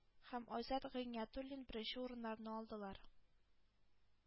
Һәм айзат гыйниятуллин беренче урыннарны алдылар.